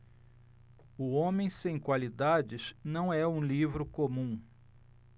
o homem sem qualidades não é um livro comum